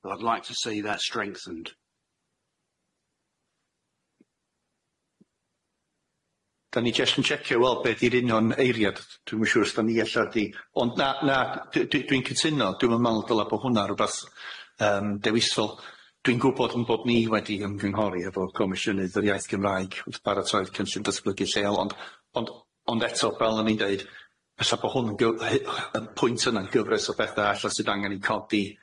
Well I'd like to see that strengthened. Da ni jyst yn checkio i weld be ydi'r union eiriad. Dwi'm yn siwr os ella da ni di. Ond na, na d- dwi'n cytuno, dwi'm yn meddwl y ddylia hwna fod yn rwbath dewisol. Dwi'n gwbod yn bod ni wedi ymgyhori efo'r comisiynydd yr iaith Cymraeg wrth baratoi'r cynllun ddatblygu lleol. Ond ond eto fel o ni'n deud ella bod hwna y pwynt yna yn gyfres o betha sy angen i codi